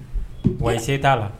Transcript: Wa i se t'a la